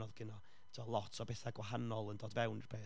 oedd gynna fo tibod lot o betha gwahanol yn dod fewn i'r peth.